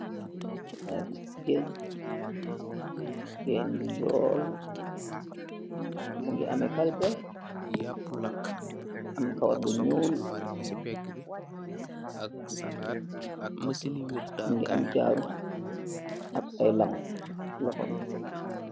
Maa gis jigéen. Jigéen bu ñoool, mu ngi ame kalpe, am kawar bu ñiool. Mungi am jaaru ak ay lam ci loxoom yi.